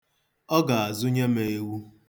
Ọ ga-azụnye m ewu.